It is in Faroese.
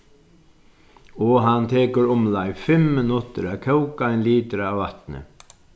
og hann tekur umleið fimm minuttir at kóka ein litur av vatni